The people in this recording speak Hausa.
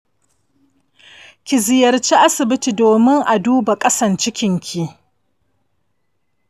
ki ziyarci asibiti domin a duba ƙasan cikinki